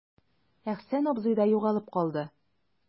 Әхсән абзый да югалып калды.